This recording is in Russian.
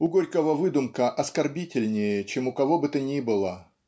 У Горького выдумка оскорбительнее чем у кого бы то ни было